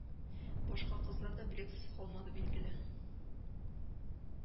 Башка кызлар да бүләксез калмады, билгеле